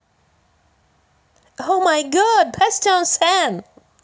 oh my god бастион сен